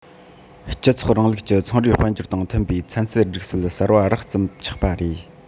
སྤྱི ཚོགས རིང ལུགས ཀྱི ཚོང རའི དཔལ འབྱོར དང མཐུན པའི ཚན རྩལ སྒྲིག སྲོལ གསར པ རགས ཙམ ཆགས པ རེད